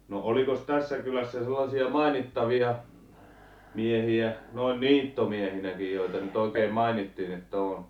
no olikos tässä kylässä sellaisia mainittavia miehiä noin niittomiehinäkin joita nyt oikein mainittiin että on